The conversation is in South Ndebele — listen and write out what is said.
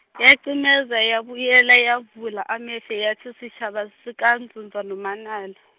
yacimeza yabuyela yavula amehlo yathi sitjhaba sikaNdzundza noManala.